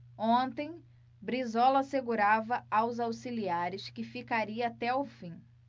ontem brizola assegurava aos auxiliares que ficaria até o fim